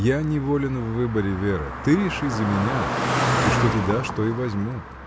Я не волен в выборе, Вера: ты реши за меня, и что ты дашь, то и возьму.